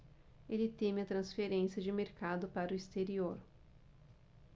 ele teme a transferência de mercado para o exterior